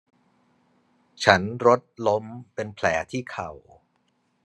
ฉันรถล้มเป็นแผลที่เข่า